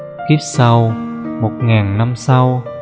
kiếp sau năm sau